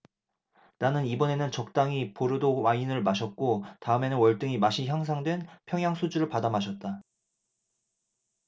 나는 이번에는 적당히 보르도 와인을 마셨고 다음은 월등히 맛이 향상된 평양 소주를 받아 마셨다